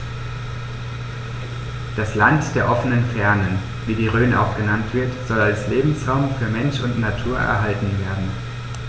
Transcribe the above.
Das „Land der offenen Fernen“, wie die Rhön auch genannt wird, soll als Lebensraum für Mensch und Natur erhalten werden.